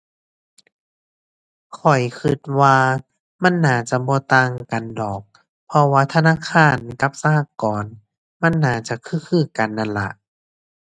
ข้อยคิดว่ามันน่าจะบ่ต่างกันดอก เพราะว่าธนาคารกับสหกรณ์มันน่าจะคือคือกันนั่นล่ะ